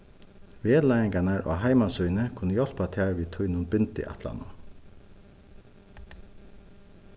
vegleiðingarnar á heimasíðuni kunnu hjálpa tær við tínum bindiætlanum